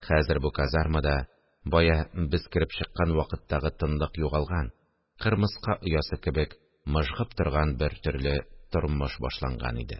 Хәзер бу казармада бая без кереп чыккан вакыттагы тынлык югалган, кырмыска оясы кебек мыжгып торган бертөрле тормыш башланган иде